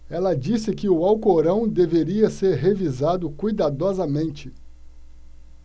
ela disse que o alcorão deveria ser revisado cuidadosamente